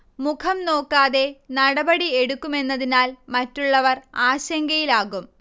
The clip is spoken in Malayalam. മുഖം നോക്കാതെ നടപടി എടുക്കുമെന്നതിനാൽ മറ്റുള്ളവർ ആശങ്കയിൽ ആകും